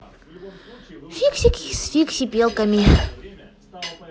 фиксики с фиксипелками